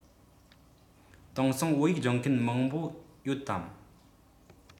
དེང སང བོད ཡིག སྦྱོང མཁན མང པོ ཡོད དམ